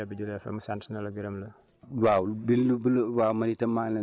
Modou Diop ñu ngi lay sant di la gërëm rajo Jabi jula FM sant na la gërëm la